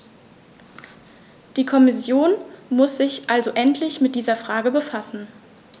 Die Kommission muss sich also endlich mit dieser Frage befassen.